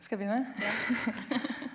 skal jeg begynne ?